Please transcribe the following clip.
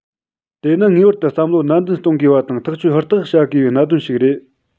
དེ ནི ངེས པར དུ བསམ བློ ནན ཏན གཏོང དགོས པ དང ཐག གཅོད ཧུར ཐག བྱ དགོས པའི གནད དོན ཞིག རེད